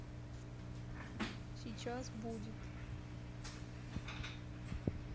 сейчас будет